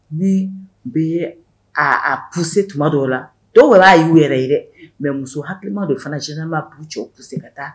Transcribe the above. Ni bɛ a kuse tuma dɔw o la dɔw wɛrɛ a y'u yɛrɛ ye dɛ mɛ muso hama dɔ fana j b'a cɛ kuse ka taa